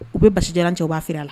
U bɛ basi diyara cɛ u b'a feere la